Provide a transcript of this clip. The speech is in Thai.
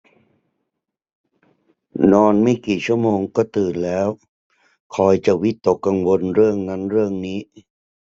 นอนไม่กี่ชั่วโมงก็ตื่นแล้วคอยจะวิตกกังวลเรื่องนั้นเรื่องนี้